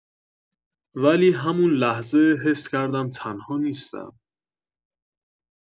ولی همون لحظه حس کردم تنها نیستم.